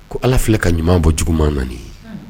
Ko ala filɛ ka ɲuman bɔ juguman na ye